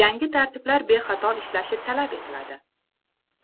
yangi tartiblar bexato ishlashni talab etadi